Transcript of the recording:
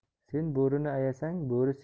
sen bo'rini ayasang